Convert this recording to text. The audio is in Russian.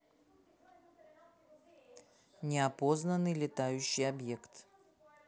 неопознанный летающий объект